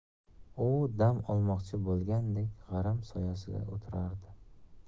u dam olmoqchi bo'lgandek g'aram soyasiga o'tirardi